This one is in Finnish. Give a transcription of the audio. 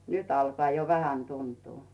nyt alkaa jo vähän tuntua